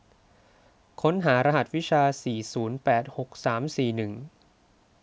ค้นหารหัสวิชาสี่ศูนย์แปดหกสามสี่หนึ่ง